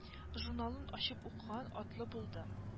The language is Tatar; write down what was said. Журналын ачып укыган атлы булды